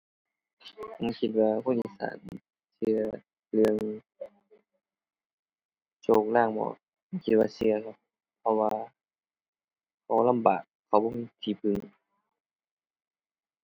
ผมคิดว่าคนอีสานเชื่อเรื่องโชคลางบ่ คิดว่าเชื่อครับ เพราะว่าเขาลำบาก เขาบ่มีที่พึ่ง